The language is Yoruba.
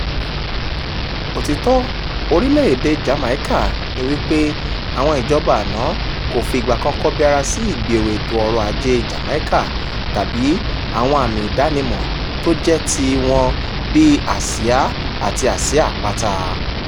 Òtítọ́ orílẹ̀ èdèe Jamaica ni wípé àwọn ìjọba àná kò fi ìgbàkan kọbiara sí ìgbéró èto ọrọ̀ Ajée Jamaica' tàbí àwọn ààmi ìdánimọ̀ tó jẹ́ ti wọn bíi àsíá àti àsíá apata.